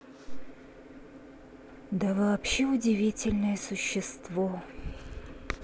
да вообще удивительное существо